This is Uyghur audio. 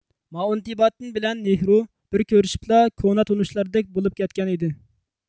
مائونتباتتىن بىلەن نىھرۇ بىر كۆرۈشۈپلا كونا تونۇشلاردەك بولۇپ كەتكەن ئىدى